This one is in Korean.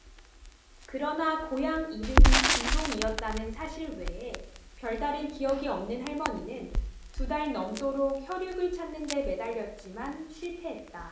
그러나 고향 이름이 진동이었다는 사실 외에 별다른 기억이 없는 할머니는 두 달 넘도록 혈육을 찾는 데 매달렸지만 실패했다